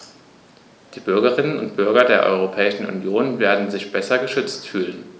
Die Bürgerinnen und Bürger der Europäischen Union werden sich besser geschützt fühlen.